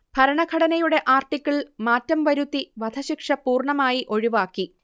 ഭരണഘടനയുടെ ആർട്ടിക്കിൾ മാറ്റം വരുത്തി വധശിക്ഷ പൂർണ്ണമായി ഒഴിവാക്കി